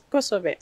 Kosɛbɛ